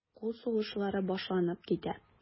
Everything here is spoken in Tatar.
Кул сугышлары башланып китә.